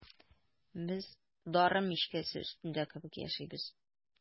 Без дары мичкәсе өстендә кебек яшибез.